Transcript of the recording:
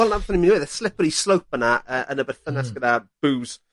...wel 'na beth o'n i myn' i weud y slippery slope yna yy yn y berthynas gyda bŵs